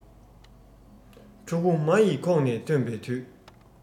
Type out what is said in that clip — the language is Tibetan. ཕྲུ གུ མ ཡི ཁོག ནས ཐོན པའི དུས